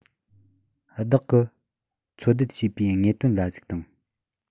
བདག གི འཚོལ སྡུད བྱས པའི དངོས དོན ལ གཟིགས དང